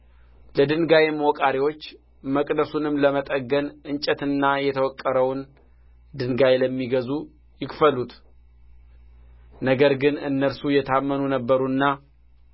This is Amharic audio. ለድንጋይም ወቃሪዎች መቅደሱንም ለመጠገን እንጨትንና የተወቀረውን ድንጋይ ለሚገዙ ይክፈሉት ነገር ግን እነርሱ የታመኑ ነበሩና